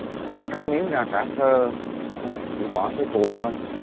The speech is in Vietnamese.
ờ cắt miếng ra cả xơ ờ chỉ bỏ cái cùi thôi